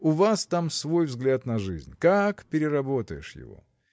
У вас там свой взгляд на жизнь: как переработаешь его?